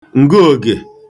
ǹgụògè